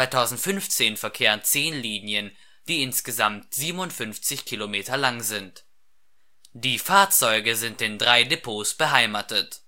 2015 verkehren zehn Linien die insgesamt 57 Kilometer lang sind, die Fahrzeuge sind in drei Depots beheimatet